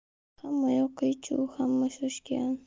hammayoq qiy chuv hamma shoshgan